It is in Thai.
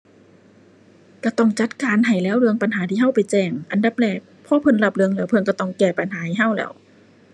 ก็ต้องจัดการให้แหล้วเรื่องปัญหาที่ก็ไปแจ้ง อันดับแรกพอเพิ่นรับเรื่องแล้วเพิ่นก็ต้องแก้ปัญหาให้ก็แหล้ว